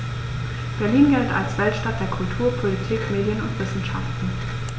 Berlin gilt als Weltstadt der Kultur, Politik, Medien und Wissenschaften.